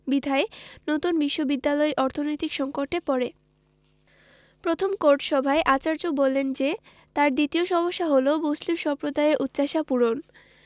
বিধায় নতুন বিশ্ববিদ্যালয় অর্থনৈতিক সংকটে পড়ে প্রথম কোর্ট সভায় আচার্য বলেন যে তাঁর দ্বিতীয় সমস্যা হলো মুসলিম সম্প্রদায়ের উচ্চাশা পূরণ